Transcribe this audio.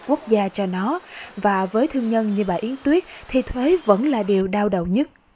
quốc gia cho nó và với thương nhân như bà yến tuyết thì thuế vẫn là điều đau đầu nhất